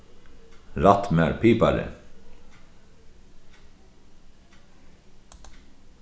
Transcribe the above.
rætt mær piparið